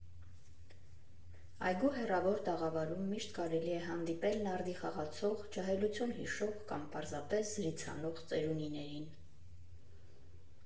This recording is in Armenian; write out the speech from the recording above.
Այգու հեռավոր տաղավարում միշտ կարելի է հանդիպել նարդի խաղացող, ջահելություն հիշող կամ պարզապես զրից անող ծերունիներին։